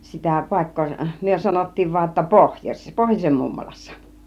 sitä paikkaa me sanottiin vain jotta - pohjoisen mummolassa